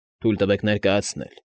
Թույլ տվեք ներկայանալ։